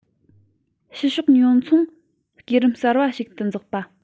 ཕྱི ཕྱོགས ཉོ ཚོང སྐས རིམ གསར པ ཞིག ཏུ འཛེགས པ